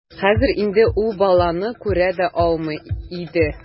Хәзер инде ул баланы күрә дә алмый иде.